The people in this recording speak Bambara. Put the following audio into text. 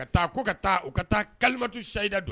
Ka taa ko ka taa u ka taa kalimatu sayida d